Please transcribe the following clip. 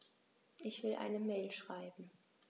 Ich will eine Mail schreiben.